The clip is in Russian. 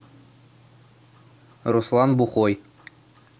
руслан бухой